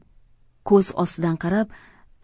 ko'z ostidan qarab